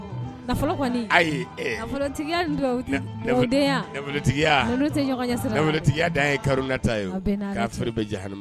Nafolo kɔni, nafolotigiya ni dugawudenya olu ti ɲɔgɔn ɲɛsirala. Nafolotigiya dan ye korola ta ye. A bɛ n'Alla cɛ. Kafiri bɛ jaanɛmɛ kɔnɔ.